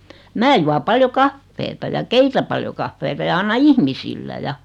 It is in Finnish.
minä juon paljon kahvia ja keitän paljon kahvia ja annan ihmisille ja